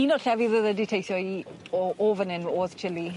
Un o'r llefydd o'dd e 'di teithio i o o fan 'yn o'dd Chile.